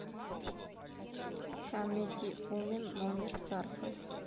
камеди вумен номер с арфой